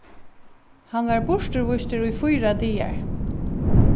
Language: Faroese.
hann varð burturvístur í fýra dagar